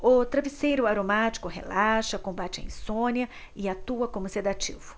o travesseiro aromático relaxa combate a insônia e atua como sedativo